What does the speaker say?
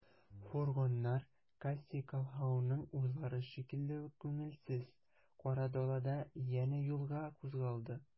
Фургоннар Кассий Колһаунның уйлары шикелле үк күңелсез, кара далада янә юлга кузгалды.